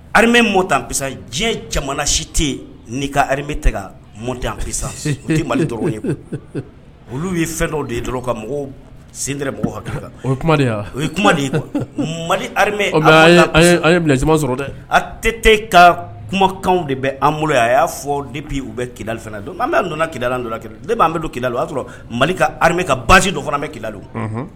Hamɛ motansa diɲɛ caman si tɛ ni ka tigɛtansa ni mali dɔrɔn ye olu ye fɛn dɔ de ye dɔrɔn ka mɔgɔw send bɔ o ye mali sɔrɔ dɛ a tɛ te ka kumakan de bɛ an bolo a y'a fɔpi u bɛ kila don an bɛ donna kila don kelen de b'an bɛ don kila don sɔrɔ mali ka basi dɔ fana bɛ kila don